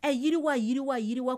Ɛ yiriwa yiriwa yiriwa